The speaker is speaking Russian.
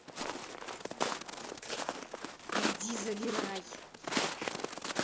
иди забирай